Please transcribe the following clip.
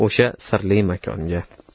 o'sha sirli makonga